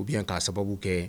U bɛyan k'a sababu kɛ